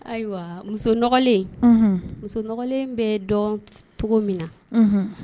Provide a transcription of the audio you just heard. Ayiwa muso musoɔgɔnlen bɛ dɔn cogo min na